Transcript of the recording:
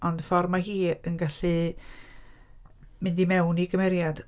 Ond y ffordd mae hi yn gallu mynd i mewn i gymeriad.